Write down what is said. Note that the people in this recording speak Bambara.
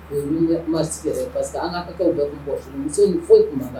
O ye pa que an' kɛ bɛ bɔ muso in foyi tun kan